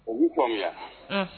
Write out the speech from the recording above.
U b'u faamuya